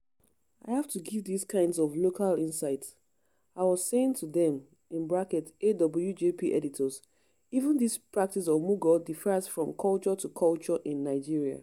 “I have to give these kinds of local insights … I was saying to them [AWJP editors] even this practice of omugwo differs from culture to culture in Nigeria.